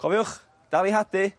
Cofiwch dal i hadu.